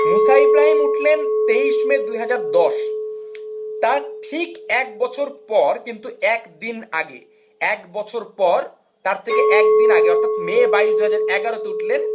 মুসা ইব্রাহিম উঠলেন 23 মে 2010 তার ঠিক এক বছর পর কিন্তু একদিন আগে এক বছর পর তার থেকে এক দিন আগে মে 22 2011 উঠলেন